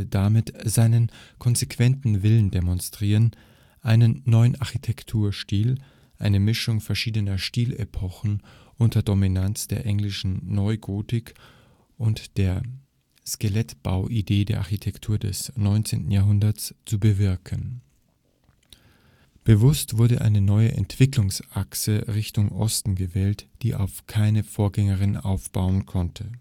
damit seinen konsequenten Willen demonstrieren, einen neuen Architektur-Stil, eine Mischung verschiedener Stilepochen unter Dominanz der englischen Neugotik und der Skelettbau-Idee der Architektur des 19. Jahrhunderts, zu bewirken. Bewusst wurde eine neue Entwicklungsachse Richtung Osten gewählt, die auf keine Vorgängerin aufbauen konnte